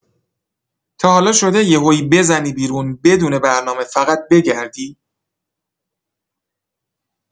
تا حالا شده یهویی بزنی بیرون بدون برنامه فقط بگردی؟